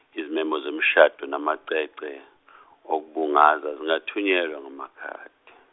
izimemo zemishado namacece , okubungaza zingathunyelwa ngamakhadi.